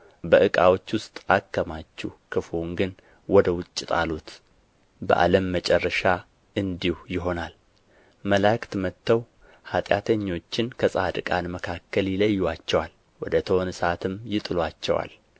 በዕቃዎች ውስጥ አከማቹ ክፉውን ግን ወደ ውጭ ጣሉት በዓለም መጨረሻ እንዲሁ ይሆናል መላእክት መጥተው ኃጢአተኞችን ከጻድቃን መካከል ይለዩአቸዋል ወደ እቶነ እሳትም ይጥሉአቸዋል